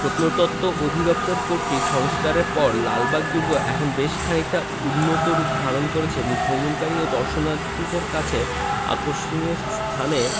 প্রত্নতত্ত্ব অধিদপ্তর কর্তৃক সংস্কারের পর লালবাগ দুর্গ এখন বেশ খানিকটা উন্নত রূপ ধারণ করেছে এবং ভ্রমণকারী ও দর্শনার্থীদের কাছে আকর্ষণীয় স্থানে